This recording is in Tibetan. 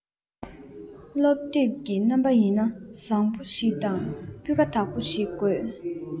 སློབ དེབ ཀྱི རྣམ པ ཡིན ན བཟང བོ ཞིག དང སྤུས ཀ དག པོ ཞིག དགོས